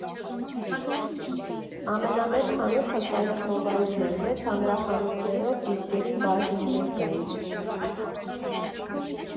Ամենամեծ խանութը Սայաթ֊Նովայում էր, մեծ հանրախանութներով դիսկերի բաժիններ կային։